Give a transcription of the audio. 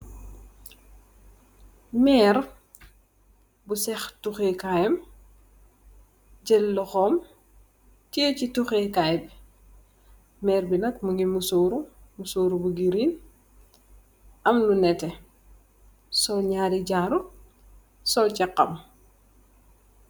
Meer bu cheh tuhekai yam jel loxom tiyeh si tohekai bi meer bi nak mogi musurr musurr bu green am lu neteh sol naari jaaru sol chaham.